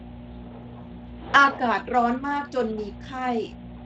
อากาศร้อนมากจนมีไข้